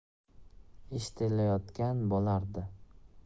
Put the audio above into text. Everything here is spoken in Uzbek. eshitilayotgandek bo'lardi